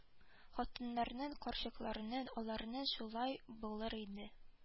Хатыннарның карчыкларның аларның шулай булыр инде